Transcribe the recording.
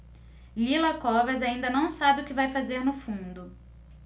lila covas ainda não sabe o que vai fazer no fundo